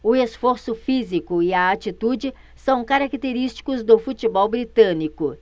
o esforço físico e a atitude são característicos do futebol britânico